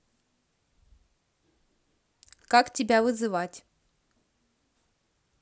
как тебя вызывать